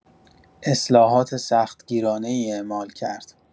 اصلاحات سخت گیرانه‌ای اعمال کرد.